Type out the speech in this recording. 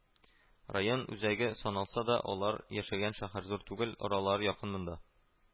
Район үзәге саналса да алар яшәгән шәһәр зур түгел, аралар якын монда